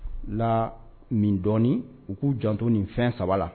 La min dɔɔninɔni u k'u janto nin fɛn saba la